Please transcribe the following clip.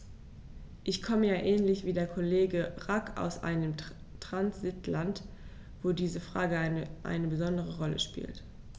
Ich komme ja ähnlich wie der Kollege Rack aus einem Transitland, wo diese Frage eine besondere Rolle spielt.